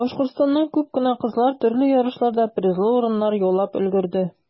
Башкортстаннан күп кенә кызлар төрле ярышларда призлы урыннар яулап өлгерде.